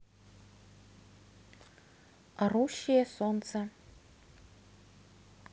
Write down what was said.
орущее солнце